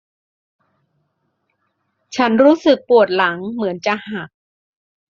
ฉันรู้สึกปวดหลังเหมือนจะหัก